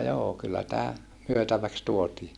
joo kyllä tämä myytäväksi tuotiin